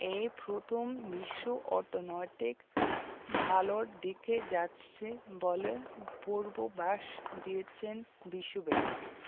এই প্রথম বিশ্ব অর্থনীতি ভালোর দিকে যাচ্ছে বলে পূর্বাভাস দিয়েছে বিশ্বব্যাংক